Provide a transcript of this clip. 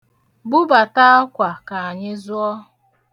Bubata akwa ka anyị zụọ.